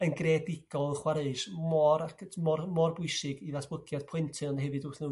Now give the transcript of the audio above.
yn greadigol yn chwareus mor acyt... Mor mor bwysig i ddatblygiad plentyn ond hefyd wrth nhw